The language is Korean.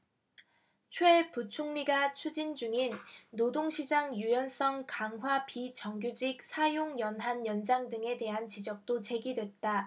최 부총리가 추진 중인 노동시장 유연성 강화 비정규직 사용연한 연장 등에 대한 지적도 제기됐다